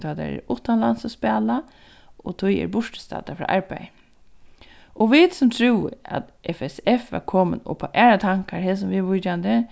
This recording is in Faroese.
tá tær eru uttanlands og spæla og tí eru burturstaddar frá arbeiði og vit sum trúðu at fsf var komin upp á aðrar tankar hesum viðvíkjandi